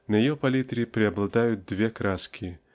на ее палитре преобладают две краски